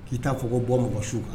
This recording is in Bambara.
K'i ka fɔ ko bɔ mɔgɔ su kan